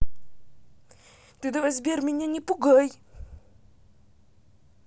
ты давай сбер меня не пугай